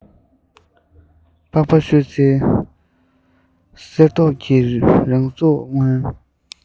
པགས པ བཤུས ཚེ གསེར མདོག གི རང གཟུགས མངོན